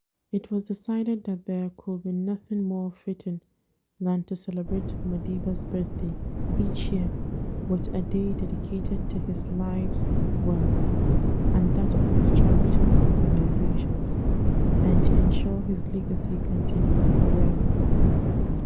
It was decided that there could be nothing more fitting than to celebrate Madiba’s birthday each year with a day dedicated to his life’s work and that of his charitable organisations and to ensure his legacy continues forever.